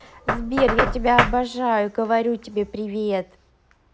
сбер я тебя обожаю и говорю тебе привет